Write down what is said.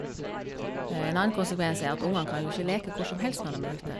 En annen konsekvens er at ungene kan jo ikke leke hvor som helst når dem er ute.